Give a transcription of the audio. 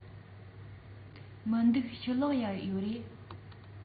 མི འདུག ཕྱི ལོགས ལ ཡོད རེད